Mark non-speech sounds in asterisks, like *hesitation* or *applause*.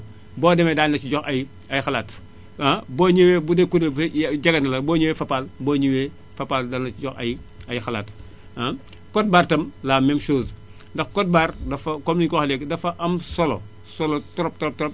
boo deme daañu la ci jox ay ay xalaat *hesitation* boo ñëwee bu dee kuréel gi jege na la boo ñëwee Fapal boo ñëwee Fapal dana la ci jox ay ay xalaat *hesitation* code barre itam la même chose ndax code barre dafa comme ni ñu ko waxee léegi dafa am solo solo trop trop trop